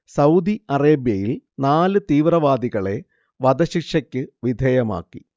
Saudi അറേബൃയിൽ നാല് തീവ്രവാദികളെ വധശിക്ഷയ്ക്ക് വിധേയമാക്കി